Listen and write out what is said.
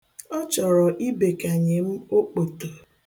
Ọ chọrọ ibekanye m okpoto.